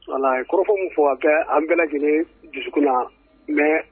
Voilà A ye kɔrɔfɔ min fɔ a kɛ an bɛɛ lajɛlen dusukun na mais